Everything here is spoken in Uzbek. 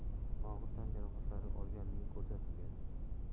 og'ir tan jarohatlari olganligi ko'rsatilgan